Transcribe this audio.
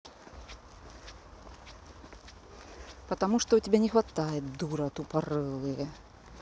потому что у тебя не хватает дура тупорые